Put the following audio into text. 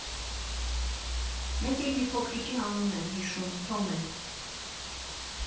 Մեկ էլ մի փոքրիկի անուն եմ հիշում՝ Թոմ էր։